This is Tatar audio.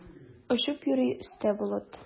Очып йөри өстә болыт.